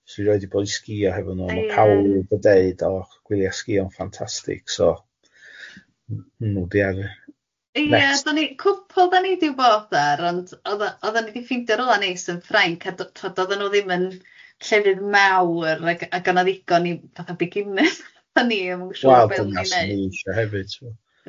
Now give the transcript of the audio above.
So i roid i bod i sgïo hefo nhw... Ia. ...a ma' pawb yn deud o gwylia sgïo'n ffantastig so n- n- nhw di ar y next... Ie do'n ni cwpwl dan ni di bodd ar ond oedd o- oedden ni di ffeindio rywle neis yn Ffrainc a do- tibod oedda nhw ddim yn llefydd mawr ag ag o'na ddigon i fatha biginners fatha ni odd ddim yn siŵr be' o'n i'n wneud... Wel dyna sa ni'n mynd hefyd tibod.